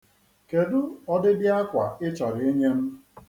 Kedu ọdịdị akwa ị chọrọ inye m.